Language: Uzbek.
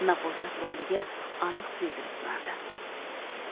nafosat borligi aniq sezilib turardi